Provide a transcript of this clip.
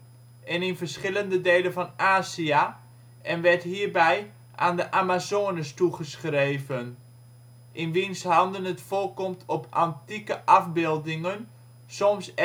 en in verschillende delen van Asia en werd hiebij aan de Amazones toegeschreven, in wiens handen het voorkomt op antieke afbeeldingen soms